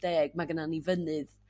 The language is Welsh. pum deg ma' gyno ni fynydd